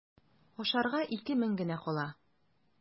Ашарга ике мең генә кала.